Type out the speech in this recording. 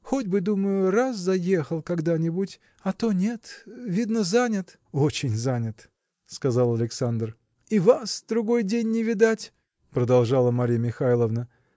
хоть бы, думаю, раз заехал когда-нибудь, а то нет – видно, занят? – Очень занят, – сказал Александр. – И вас другой день не видать! – продолжала Марья Михайловна.